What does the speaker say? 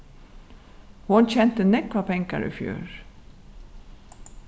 hon tjenti nógvar pengar í fjør